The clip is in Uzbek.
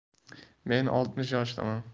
men oltmish yoshdaman